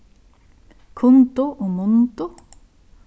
kundu og mundu